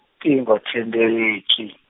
tingo thendeleki.